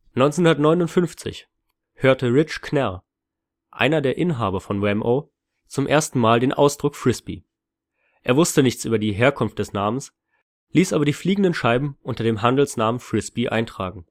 1959 hörte Rich Knerr, einer der Inhaber von Wham-O, zum ersten Mal den Ausdruck „ Frisbie/Frisbee “. Er wusste nichts über die Herkunft des Namens, ließ aber die fliegenden Scheiben unter dem Handelsnamen „ Frisbee “eintragen